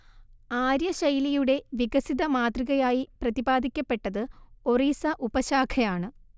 ആര്യ ശൈലിയുടെ വികസിത മാതൃകയായി പ്രതിപാദിക്കപ്പെട്ടത് ഒറീസ ഉപശാഖയാണ്